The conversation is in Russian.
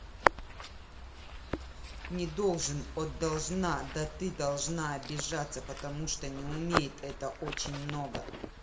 не должен от должна да ты должна обижаться потому что не умеет это очень много